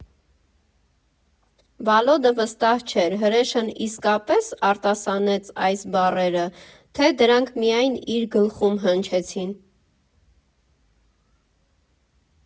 Վալոդը վստահ չէր՝ հրեշն իսկապե՞ս արտասանեց այս բառերը, թե՞ դրանք միայն իր գլխում հնչեցին։